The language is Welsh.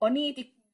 ...O'n i 'di...